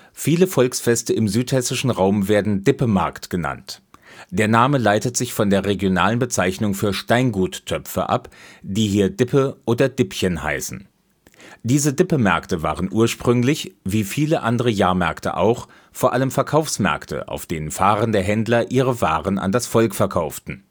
Viele Volksfeste im südhessischen Raum werden Dippemarkt genannt. Der Name leitet sich von der regionalen Bezeichnung für Steingut-Töpfe ab, die hier Dippe oder Dippchen heißen. Diese Dippemärkte waren ursprünglich, wie viele andere Jahrmärkte auch, vor allem Verkaufsmärkte, auf denen fahrende Händler ihre Waren an das Volk verkauften